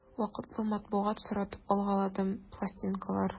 Вакытлы матбугат соратып алгаладым, пластинкалар...